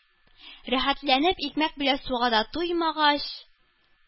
Рәхәтләнеп икмәк белән суга да туймагач,